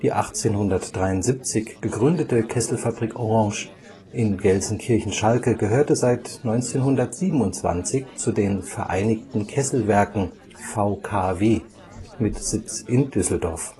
1873 gegründete Kesselfabrik Orange in Gelsenkirchen-Schalke gehörte seit 1927 zu den Vereinigten Kesselwerken (VKW) mit Sitz in Düsseldorf